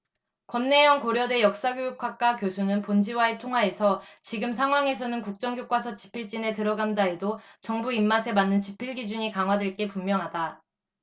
권내현 고려대 역사교육학과 교수는 본지와의 통화에서 지금 상황에서는 국정교과서 집필진에 들어간다 해도 정부 입맛에 맞는 집필 기준이 강화될 게 분명하다